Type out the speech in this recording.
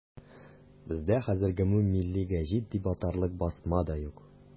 Бездә хәзер гомуммилли гәҗит дип атарлык басма да юк.